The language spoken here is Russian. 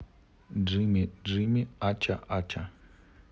джимми джимми ача ача